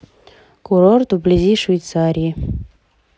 курорт вблизи швейцарии